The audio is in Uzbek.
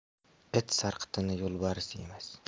it sarqitini yo'lbars yemas